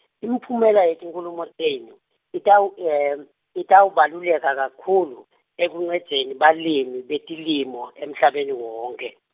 imiphumela yetinkhulumo tenu, itaw- itawubaluleka kakhulu , ekuncendzeni balirni betilimo emhlabeni wonkhe.